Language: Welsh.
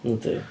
Yndi